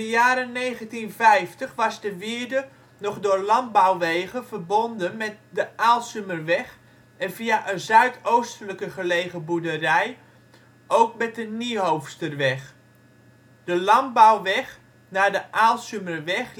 jaren 1950 was de wierde nog door landbouwwegen verbonden met de Aalsumerweg en via een zuidoostelijker gelegen boerderij ook met de Niehoofsterweg. De landbouwweg naar de Aalsumerweg